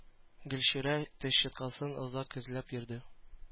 Гөлчирә теш щеткасын озак эзләп йөрде.